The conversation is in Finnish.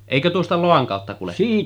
Eikö tuosta Loan kautta kuljettu